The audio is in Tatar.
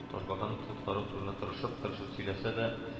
Ташбаканы коткаруы турында тырышып—тырышып сөйләсәдә